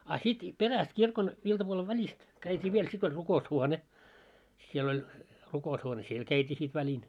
a sitten perästä kirkon iltapuolen välistä käytiin vielä sitten oli rukoushuone siellä oli rukoushuone siellä käytiin sitten välin